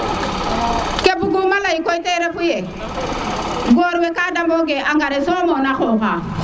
ke buguma ley koy tem refu ye goor we ga mboge engrais soomo na xooxa